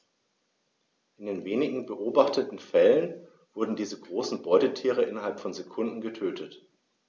In den wenigen beobachteten Fällen wurden diese großen Beutetiere innerhalb von Sekunden getötet.